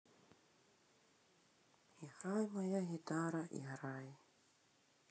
играй моя гитара играй